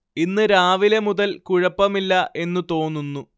ഇന്ന് രാവിലെ മുതൽ കുഴപ്പമില്ല എന്ന് തോന്നുന്നു